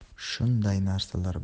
shunday narsalar borki hatto uni